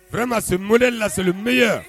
_ Vraiment ce model là c'est le meilleur